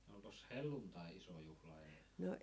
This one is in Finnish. no olikos helluntai iso juhla ennen